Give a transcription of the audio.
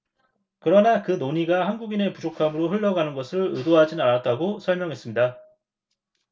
그러나 그 논의가 한국인의 부족함으로 흘러가는 것을 의도하진 않았다고 설명했습니다